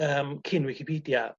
yym cyn Wicipidia